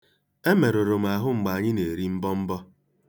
Emerụrụ m ahụ mgbe anyị na-eri mbọmbọ.